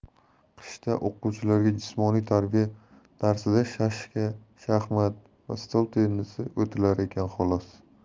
qishda o'quvchilarga jismoniy tarbiya darsida shashka shaxmat va stol tennisi o'tilar ekan xolos